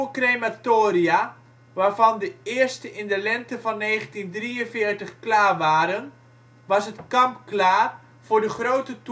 crematoria, waarvan de eerste in de lente van 1943 klaar waren, was het kamp klaar voor de grote